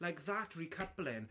Like that recoupling